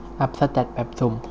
อัพแสตทแบบสุ่ม